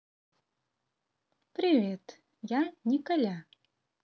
привет я николя